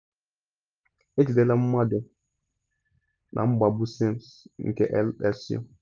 Ejidela mmadụ na mgbagbụ Sims nke LSU